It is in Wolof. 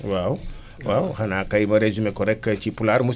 waaw waaw xanaa kay ma résumé ko rek ci pulaar